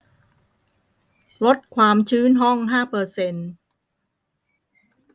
ลดความชื้นห้องห้าเปอร์เซ็นต์